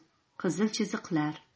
qizil chiziqlar